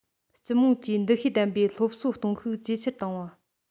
སྤྱི དམངས ཀྱི འདུ ཤེས ལྡན པའི སློབ གསོ གཏོང ཤུགས ཇེ ཆེར བཏང བ